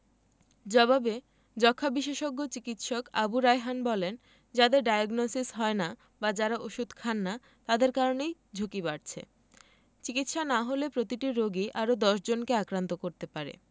জবাবে যক্ষ্মা বিশেষজ্ঞ চিকিৎসক আবু রায়হান বলেন যাদের ডায়াগনসিস হয় না বা যারা ওষুধ খান না তাদের কারণেই ঝুঁকি বাড়ছে চিকিৎসা না হলে প্রতিটি রোগী আরও ১০ জনকে আক্রান্ত করতে পারে